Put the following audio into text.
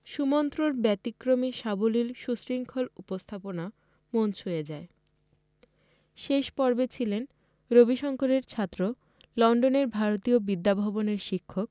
সুমন্ত্রর ব্যতিক্রমী সাবলীল সুশৃঙ্খল উপস্থাপনা মন ছুঁয়ে যায় শেষ পর্বে ছিলেন রবিশংকরের ছাত্র লন্ডনের ভারতীয় বিদ্যাভবনের শিক্ষক